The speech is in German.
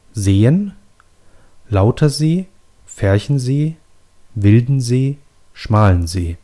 Seen: Lautersee, Ferchensee, Wildensee, Schmalensee